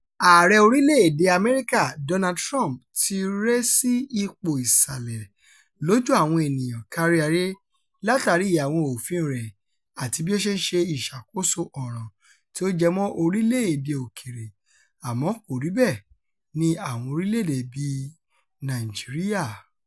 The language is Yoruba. Ààrẹ orílẹ̀-èdèe Amẹ́ríkà Donald Trump ti ré sí ipò ìsàlẹ̀ lójú àwọn ènìyàn kárí ayé látàrí àwọn òfin rẹ̀ àti bí ó ṣe ń ṣe ìṣàkóso ọ̀ràn tí ó jẹ mọ́ orílẹ̀-èdèe òkèèrè — àmọ́ kò rí bẹ́ẹ̀ ní àwọn orílẹ̀-èdè bíi Nàìjíríà.